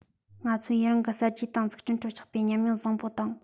ང ཚོའི ཡུན རིང གི གསར བརྗེ དང འཛུགས སྐྲུན ཁྲོད ཆགས པའི ཉམས མྱོང བཟང པོ དང